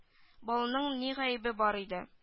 Баланың ни гаебе бар иде